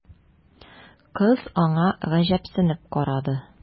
Кыз аңа гаҗәпсенеп карады.